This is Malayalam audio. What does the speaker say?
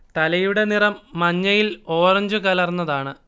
തലയുടെ നിറം മഞ്ഞയിൽ ഓറഞ്ച് കലർന്നതാണ്